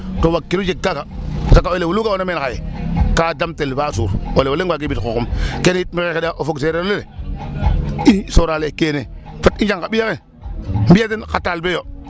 To waagkiro jeg kaaga, kaaga o elew olu ga'oona men xaye ka damtel ba suur elew o leŋ waagee ɓis xooxum kene yit maxey xeɗaa o fog seereer ole i sorale kene fat i njeg xa ɓiy axe mbi'aa den xa talibé yo.